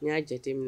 N y'a jate minɛ